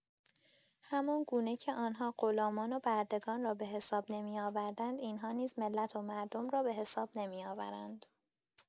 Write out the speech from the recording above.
همانگونه که آنها غلامان وبردگان را بحساب نمی‌آوردند این‌ها نیز ملت ومردم را بحساب نمی‌آورند.